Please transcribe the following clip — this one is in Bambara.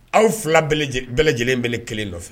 Aw 2 bɛɛ lajɛ bɛɛ lajɛlen be ne 1 nɔfɛ